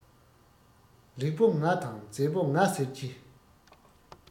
ལེགས པོ ང དང མཛེས པོ ང ཟེར གྱི